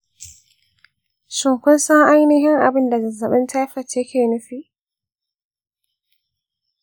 shin kun san ainihin abin da zazzabin taifot yake nufi?